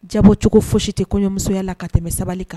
Jabo cogo fosi tɛ kɔɲɔmusoya la ka tɛmɛ sabali kan.